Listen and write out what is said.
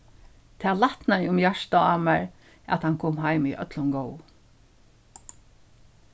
tað lætnaði um hjartað á mær at hann kom heim í øllum góðum